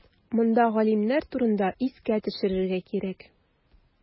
Монда галимнәр турында искә төшерергә кирәк.